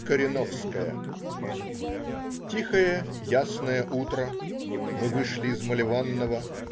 Кореновская Тихое, ясное утро. Мы вышли из Малеванного.